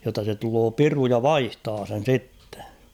jotta se tulee piru ja vaihtaa sen sitten